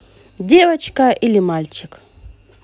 девочка или мальчик